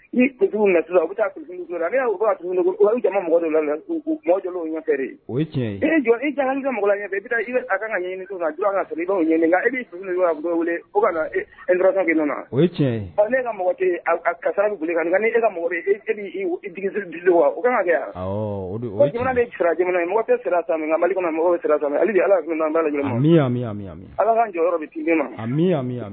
Ni taa la ɲɛ ɲɛ i kan ka ɲinin ka i ɲini e wele ne ka ka nka ka esiri di wa o kana kɛ sira mɔgɔ sira mali mɔgɔ sira ale ala' ala jɔyɔrɔ bɛ ne